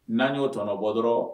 N'an y'o tɔnɔbɔ dɔrɔn